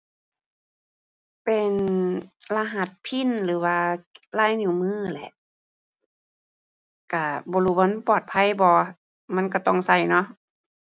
เป็นรหัส PIN หรือว่าลายนิ้วมือแหละ ก็บ่รู้ว่ามันปลอดภัยบ่ มันก็ต้องก็เนาะ